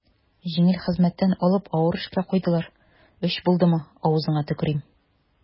Җиңел хезмәттән алып авыр эшкә куйдылар, өч булдымы, авызыңа төкерим.